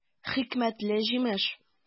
Хикмәтле җимеш!